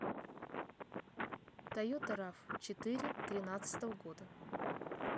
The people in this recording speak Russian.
toyota raw четыре тринадцатого года